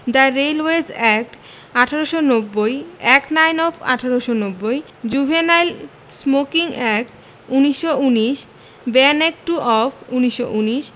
the railways act ১৮৯০ act nine of ১৮৯০ the juvenile smoking act ১৯১৯ Ben act two of ১৯১৯